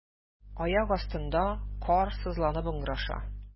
Аяк астында кар сызланып ыңгыраша.